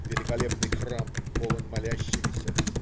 Великолепный храм полон молящимися